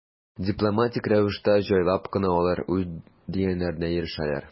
Дипломатик рәвештә, җайлап кына алар үз дигәннәренә ирешәләр.